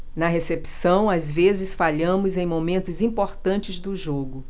na recepção às vezes falhamos em momentos importantes do jogo